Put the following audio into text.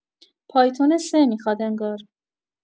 پایتون ۳ میخواد انگار